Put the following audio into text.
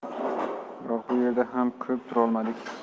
biroq bu yerda ham ko'p turolmadik